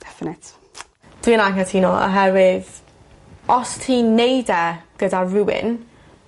Definite. Dwi'n anghytuno oherwydd os ti'n neud e gyda rywun